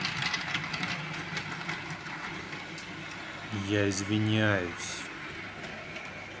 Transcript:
я извиняюсь